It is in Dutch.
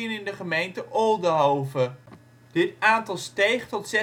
in de gemeente Oldehove. Dit aantal steeg tot